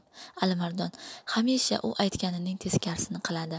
alimardon hamisha u aytganining teskarisini qiladi